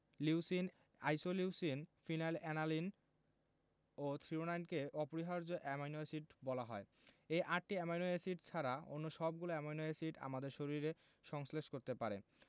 leucine isoleucine phenylalanine ও থ্রিওনাইনকে অপরিহার্য অ্যামাইনো এসিড বলা হয় এই আটটি অ্যামাইনো এসিড ছাড়া অন্য সবগুলো অ্যামাইনো এসিড আমাদের শরীর সংশ্লেষ করতে পারে